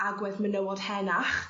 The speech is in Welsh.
agwedd menywod henach